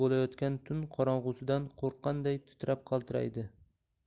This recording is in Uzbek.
bo'layotgan tun qorong'isidan qo'rqqanday titrab qaltiraydi